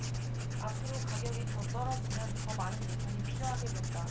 앞으로 가격이 더 떨어지면 더 많은 예산이 필요하게 된다